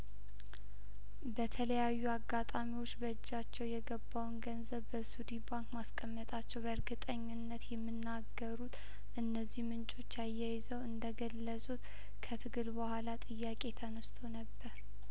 በተለያዩ አጋጣሚዎች በእጃቸው የገባውን ገንዘብ በሱዲ ባንክ ማስቀመጣቸው በእርግጠኝነት የሚናገሩት እነዚህ ምንጮች አያይዘው እንደገለጹ ከትግል በኋላ ጥያቄ ተነስቶ ነበር